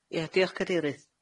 Ie, diolch Cadeirydd.